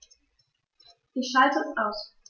Ich schalte es aus.